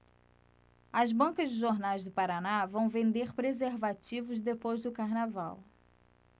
as bancas de jornais do paraná vão vender preservativos depois do carnaval